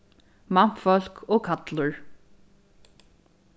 mannfólk og kallur